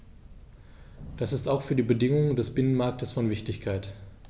Das ist auch für die Bedingungen des Binnenmarktes von Wichtigkeit.